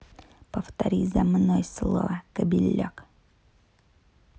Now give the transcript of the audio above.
повтори за мной слово кобелек